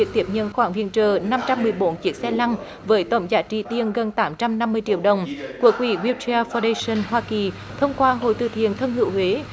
tiếp nhận khoản viện trợ năm trăm mười bốn chiếc xe lăn với tổng giá trị tiền gần tám trăm năm mươi triệu đồng của quỹ biu teo vơ đây sừn hoa kỳ thông qua hội từ thiện thân hữu huế